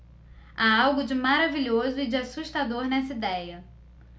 há algo de maravilhoso e de assustador nessa idéia